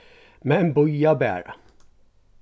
men bíða bara